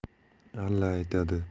alla aytadi